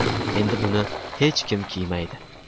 endi buni hech kim kiymaydi